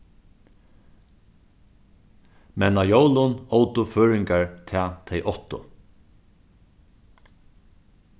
men á jólum ótu føroyingar tað tey áttu